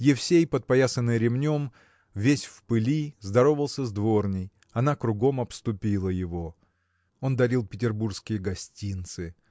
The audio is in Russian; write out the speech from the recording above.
Евсей, подпоясанный ремнем, весь в пыли, здоровался с дворней она кругом обступила его. Он дарил петербургские гостинцы